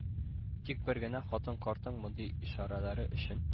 Тик бер генә хатын картның мондый ишарәләре өчен: